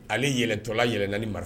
Ale yɛlɛtɔla yɛlɛ naani ni marifa